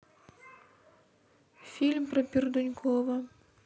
фильм про пердунькова